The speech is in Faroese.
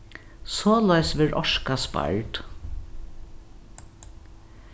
soleiðis verður orka spard